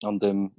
ond yym